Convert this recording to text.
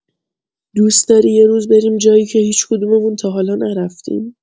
دوست‌داری یه روز بریم جایی که هیچ‌کدوممون تا حالا نرفتیم؟